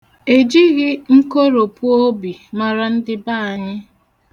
E jighị nkoropuobi mara ndị be anyị.